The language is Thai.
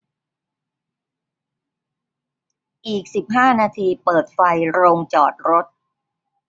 อีกสิบห้านาทีเปิดไฟโรงจอดรถ